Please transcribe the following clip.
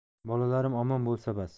bolalarim omon bo'lsa bas